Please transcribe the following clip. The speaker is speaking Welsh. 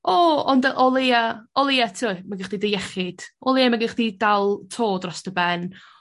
o ond yy o leia o leia t'mo' ma' 'da chi dy iechyd o leia mi gewch chdi dal to dros dy ben.